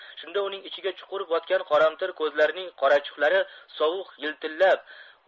shunda uning ichiga chuqur botgan qoramtir ko'zlarining qorachuqlari sovuq yiltillab